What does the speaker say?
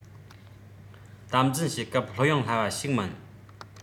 དམ འཛིན བྱེད སྐབས ལྷོད གཡེང སླ བ ཞིག མིན